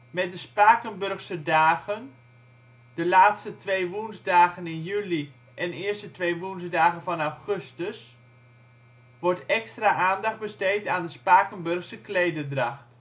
Met de Spakenburgse dagen (de laatste 2 woensdagen in juli en eerste 2 woensdagen van augustus) wordt extra aandacht besteed aan de Spakenburgse klederdracht